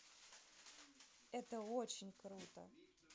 это очень круто